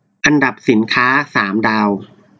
อันดับสินค้าสามดาว